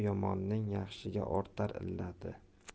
yomonning yaxshiga ortar illati